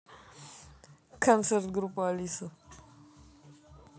концерт группы алиса